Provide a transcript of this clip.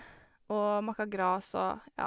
Og måker gras og, ja.